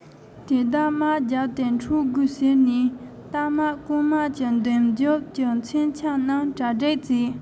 དེ དག དམག བརྒྱབ སྟེ འཕྲོག དགོས ཟེར ནས རྟ དམག རྐང དམག གྱི མདུན སྒྱོགས ཀྱི མཚོན ཆ རྣམས གྲ སྒྲིག བྱས